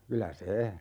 kyllä se